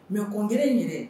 Mɛ kɔnɔnkɛ in ɲini